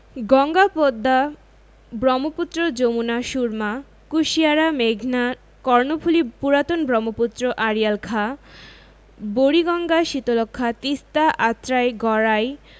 গঙ্গা পদ্মা ব্রহ্মপুত্র যমুনা সুরমা কুশিয়ারা মেঘনা কর্ণফুলি পুরাতন ব্রহ্মপুত্র আড়িয়াল খাঁ বুড়িগঙ্গা শীতলক্ষ্যা তিস্তা আত্রাই গড়াই